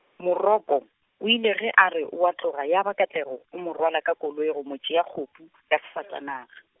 Moroko, o ile ge a re o a tloga ya ba Katlego, o mo rwala ka koloi go mo tšea kgopu, ka sefatanaga.